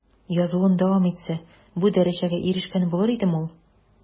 Язуын дәвам итсә, бу дәрәҗәгә ирешкән булыр идеме ул?